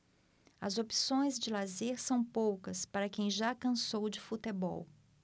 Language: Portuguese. as opções de lazer são poucas para quem já cansou de futebol